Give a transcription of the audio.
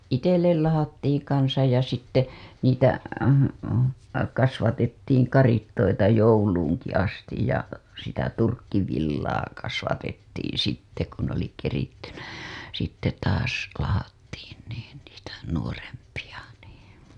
itselle lahdattiin kanssa ja sitten niitä kasvatettiin karitsoita jouluunkin asti ja sitä turkkivillaa kasvatettiin sitten kun ne oli kerittynä sitten taas lahdattiin niin niitä nuorempia niin